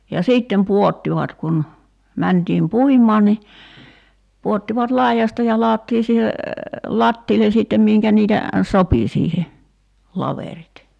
ja sitten pudottivat kun mentiin puimaan niin pudottivat laidasta ja ladottiin siihen lattialle sitten minkä niitä sopi siihen laverit